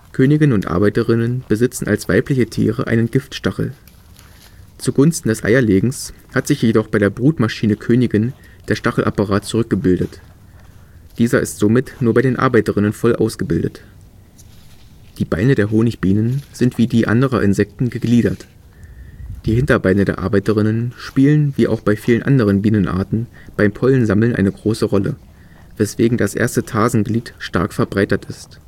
Königin und Arbeiterinnen besitzen als weibliche Tiere einen Giftstachel. Zu Gunsten des Eierlegens hat sich jedoch bei der „ Brutmaschine “Königin der Stachelapparat zurückgebildet. Dieser ist somit nur bei den Arbeiterinnen voll ausgebildet. Innenseite eines Hinterbeines; Erstes, stark vergrößertes Tarsenglied mit „ Bürstchen “in Bildmitte. Die Beine der Honigbienen sind wie die anderer Insekten gegliedert. Die Hinterbeine der Arbeiterinnen spielen wie auch bei vielen anderen Bienenarten beim Pollensammeln eine große Rolle, weswegen das erste Tarsenglied stark verbreitert ist